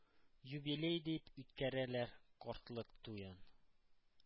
Юбилей дип үткәрәләр картлык туен.